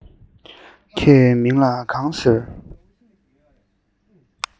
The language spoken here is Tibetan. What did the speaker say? ཁྱེད མིང ལ གང ཟེར